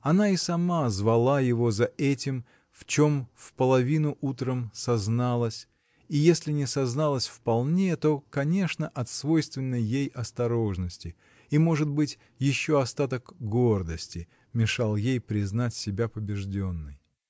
Она и сама звала его за этим, в чем вполовину утром созналась, и если не созналась вполне, то, конечно, от свойственной ей осторожности, и, может быть, еще остаток гордости мешал ей признать себя побежденной.